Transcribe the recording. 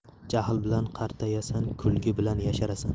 jahl bilan qartayasan kulgi bilan yasharasan